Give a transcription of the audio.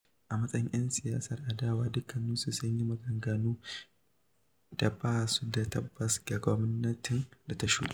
A matsayin 'yan siyasar adawa, dukkaninsu sun yi maganganun da ba su da tabbas ga gwamnatin da ta shuɗe.